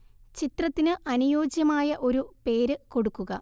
ചിത്രത്തിനു അനുയോജ്യമായ ഒരു പേരു കൊടുക്കുക